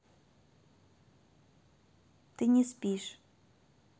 ты не спишь